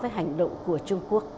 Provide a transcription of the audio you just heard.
với hành động của trung quốc